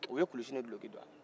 u ye kulusi ni guloki don ala